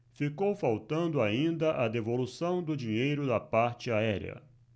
ficou faltando ainda a devolução do dinheiro da parte aérea